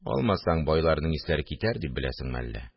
Алмасаң, байларның исләре китәр дип беләсеңме әллә